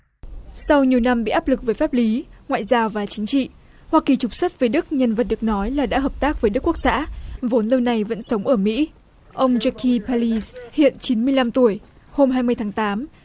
sau nhiều năm bị áp lực về pháp lý ngoại giao và chính trị hoa kỳ trục xuất về đức nhân vật được nói là đã hợp tác với đức quốc xã vốn lâu nay vẫn sống ở mỹ ông cho ki bơ li hiện chín mươi lăm tuổi hôm hai mươi tháng tám